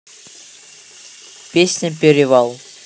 песня перевал